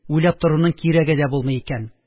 Уйлап торуның кирәге дә булмый икән